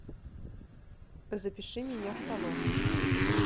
запиши меня в салон